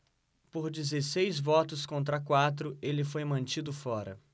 por dezesseis votos contra quatro ele foi mantido fora